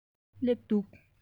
སླེབས འདུག